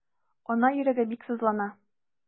Ана йөрәге бик сызлана.